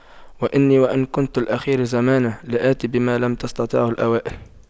وإني وإن كنت الأخير زمانه لآت بما لم تستطعه الأوائل